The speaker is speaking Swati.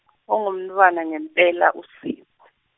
Ungumntfwana ngempela uSipho.